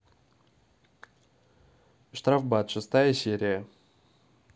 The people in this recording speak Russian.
штрафбат шестая серия